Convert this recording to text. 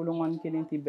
Kolon kɔniɔni kelen tɛ bɛɛ